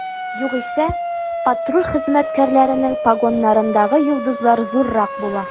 Югыйсә, патруль хезмәткәрләренең погоннарындагы йолдызлар зуррак була.